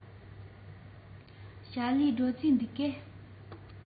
ཞའོ ལིའི འགྲོ རྩིས འདུག གས